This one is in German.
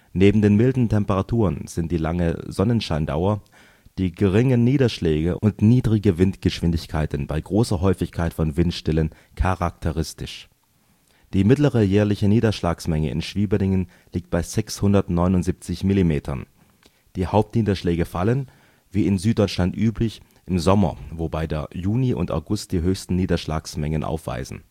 Neben den milden Temperaturen sind die lange Sonnenscheindauer, die geringen Niederschläge und niedrige Windgeschwindigkeiten bei großer Häufigkeit von Windstillen charakteristisch. Die mittlere jährliche Niederschlagsmenge in Schwieberdingen liegt bei 679 mm. Die Hauptniederschläge fallen, wie in Süddeutschland üblich, im Sommer, wobei der Juni und August die höchsten Niederschlagsmengen aufweisen